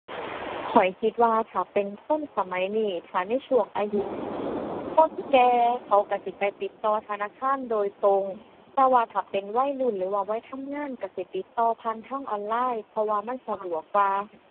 ข้อยคิดว่าถ้าเป็นคนสมัยนี้ ถ้าในช่วงอายุ คนแก่เขาก็สิไปติดต่อธนาคารโดยตรง แต่ว่าถ้าเป็นวัยรุ่น หรือว่าวัยทำงานก็สิติดต่อผ่านทางออนไลน์เพราะว่ามันสะดวกกว่า